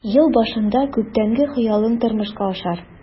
Ел башында күптәнге хыялың тормышка ашар.